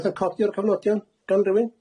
'Wbath'n codi o'r cofnodion gan rywun?